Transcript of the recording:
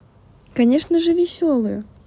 конечно же веселую